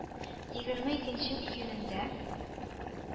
Егерме икенче июнендә